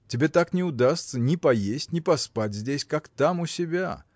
тебе так не удастся ни поесть, ни поспать здесь, как там, у себя